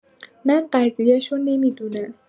من قضیشو نمی‌دونم